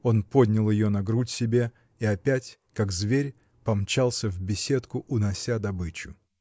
Он поднял ее на грудь себе и опять, как зверь, помчался в беседку, унося добычу.